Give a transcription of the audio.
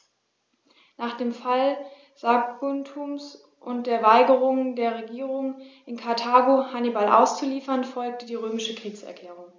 Nach dem Fall Saguntums und der Weigerung der Regierung in Karthago, Hannibal auszuliefern, folgte die römische Kriegserklärung.